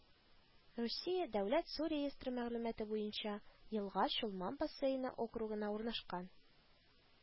Русия дәүләт су реестры мәгълүматы буенча елга Чулман бассейн округында урнашкан